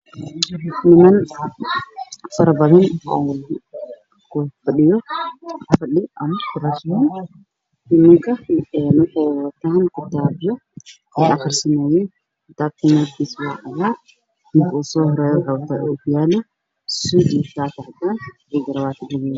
Meeshan waxaa fadhiyo niman ka waxayna wataan kitaabo quraan ah labada nin oo u horeyso waxay wataan dhar baluug iyo caddaan